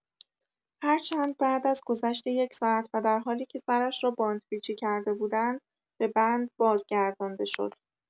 هر چند بعد از گذشت یک ساعت و در حالی که سرش را باند پیچی کرده بودند به بند بازگردانده شد.